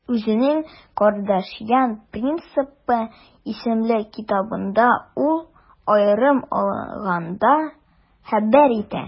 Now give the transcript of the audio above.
Үзенең «Кардашьян принципы» исемле китабында ул, аерым алганда, хәбәр итә: